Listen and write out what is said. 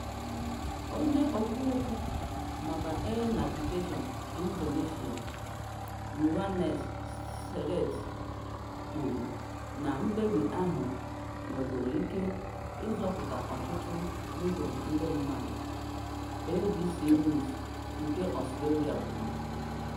Onye okwu okwu maka Air Navigation Indonesia, Yohannes Sirait, kwuru na mkpebi ahụ nwegoro ike ịzọpụta ọtụtụ ndụ ndị mmadụ, ABC News nke Australia kwuru.